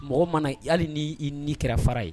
Mɔgɔ mana hali n'' ni kɛrara ye